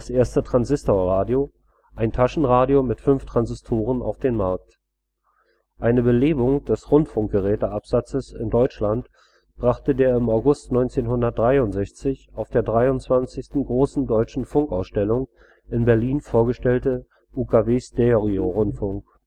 erste Transistorradio, ein Taschenradio mit fünf Transistoren auf den Markt. Eine Belebung des Rundfunkgeräteabsatzes in Deutschland brachte der im August 1963 auf der 23. Großen Deutschen Funk-Ausstellung in Berlin vorgestellte UKW-Stereo-Rundfunk